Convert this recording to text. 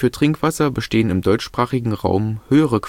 Trinkwasser bestehen im deutschsprachigen Raum höhere